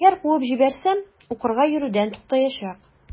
Әгәр куып җибәрсәм, укырга йөрүдән туктаячак.